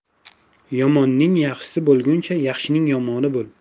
yomonning yaxshisi bo'lguncha yaxshining yomoni bo'l